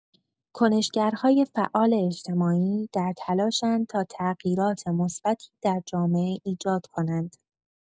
کنش‌گرهای فعال اجتماعی در تلاشند تا تغییرات مثبتی در جامعه ایجاد کنند.